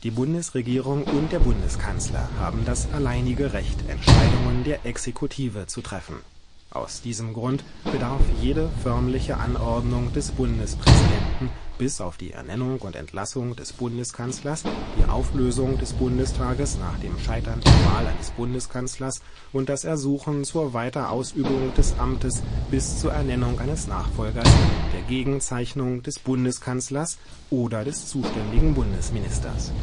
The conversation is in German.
Bundesregierung und der Bundeskanzler haben das alleinige Recht, Entscheidungen der Exekutive zu treffen. Aus diesem Grund bedarf jede förmliche Anordnung des Bundespräsidenten bis auf die Ernennung und Entlassung des Bundeskanzlers, die Auflösung des Bundestages nach dem Scheitern der Wahl eines Bundeskanzlers und das Ersuchen zur Weiterausübung des Amtes bis zur Ernennung eines Nachfolgers der Gegenzeichnung des Bundeskanzlers oder des zuständigen Bundesministers